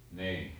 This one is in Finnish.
niin